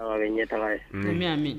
Bɛ ɲɛ taga ye